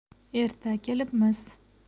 erta kelibmiz